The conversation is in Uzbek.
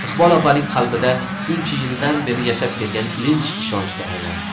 iqbol opaning qalbida shuncha yildan beri yashab kelgan ilinj ishonchga aylandi